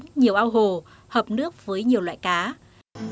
nhiều ao hồ hợp nước với nhiều loại cá